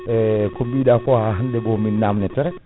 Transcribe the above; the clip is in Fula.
ko biɗako ha hande mi namdete rek